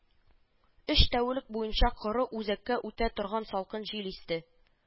Өч тәүлек буенча коры, үзәккә үтә торган салкын җил исте